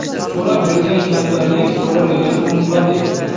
so'rab bilgan kamtarlik so'ramagan xumpariik